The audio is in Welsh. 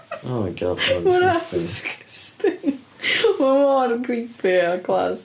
O my God mae'n disgusting... Mae hwnna'n disgusting. Mae mor creepy a class.